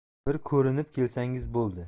bir ko'rinib kelsangiz bo'ldi